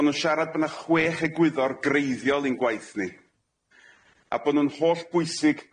Ma' nw'n siarad bo 'na chwech egwyddor greiddiol i'n gwaith ni a bo nw'n hollbwysig